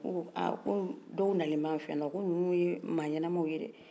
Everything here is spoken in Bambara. k' u ko aa ko dɔw nalen bɛ anw fɛ yan nɔ ko ninnuw ye mɔgɔɲɛnɛmaw ye dɛɛ